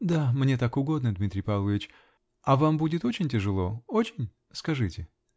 -- Да; мне так угодно, Дмитрий Павлович. А вам будет очень тяжело ? Очень? Скажите.